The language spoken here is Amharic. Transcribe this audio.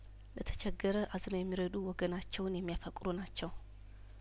ለተቸገረ አዝነው የሚረዱ ወገናቸውን የሚያፈቅሩ ናቸው